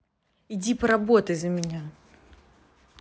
иди поработай за меня